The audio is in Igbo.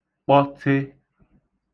kpọte